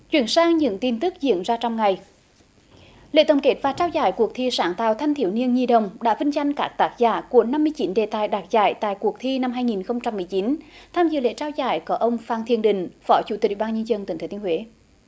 chuyển sang những tin tức diễn ra trong ngày lễ tổng kết và trao giải cuộc thi sáng tạo thanh thiếu niên nhi đồng đã vinh danh các tác giả của năm mươi chín đề tài đạt giải tại cuộc thi năm hai nghìn không trăm mười chín tham dự lễ trao giải có ông phan thiên định phó chủ tịch ủy ban nhân dân tỉnh thừa thiên huế